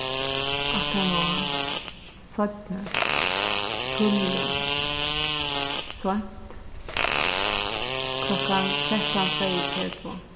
aftaná seinni tíðliga seint klokkan trettan tveyogtretivu